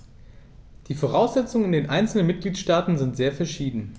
Die Voraussetzungen in den einzelnen Mitgliedstaaten sind sehr verschieden.